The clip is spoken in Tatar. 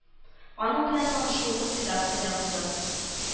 Аның белән танышуыбыз редакциядә булды